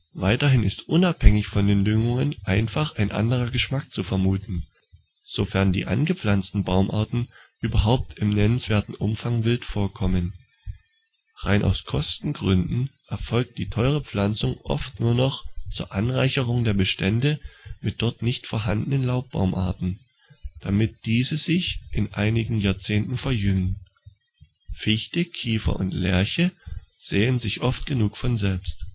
Weiterhin ist unabhängig von der Düngung einfach ein anderer Geschmack zu vermuten - sofern die angepflanzten Baumarten überhaupt im nennenswerten Umfang " wild " vorkommen (rein aus Kostengründen erfolgt die teure Pflanzung oft nur noch zur Anreicherung der Bestände mit dort nicht vorhandenen Laubbaumarten - damit diese sich in einigen Jahrzehnten verjüngen. Fichte, Kiefer und Lärche sähen sich oft genug von selbst